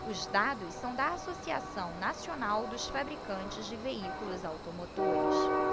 os dados são da anfavea associação nacional dos fabricantes de veículos automotores